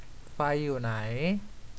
ไฟอยู่ไหน